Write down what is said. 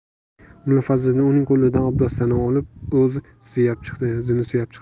mulla fazliddin uning qo'lidan obdastasini olib o'zini suyab chiqdi